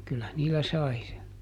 kyllä niillä sai se